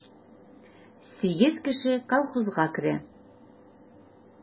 Сигез кеше колхозга керә.